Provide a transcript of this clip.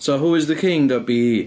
So who is the king dot be.